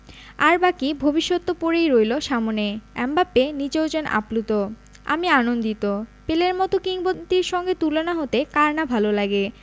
আর বাকি ভবিষ্যৎ তো পড়েই রইল সামনে এমবাপ্পে নিজেও যেন আপ্লুত আমি আনন্দিত পেলের মতো কিংবদন্তির সঙ্গে তুলনা হতে কার না ভালো লাগে